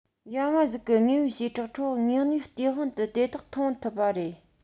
ཡ མ གཟུགས ཀྱི དངོས པོའི བྱེ བྲག ཁྲོད དངོས གནས སྟེས དབང དུ དེ དག མཐོང ཐུབ པ རེད